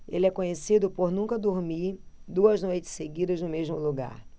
ele é conhecido por nunca dormir duas noites seguidas no mesmo lugar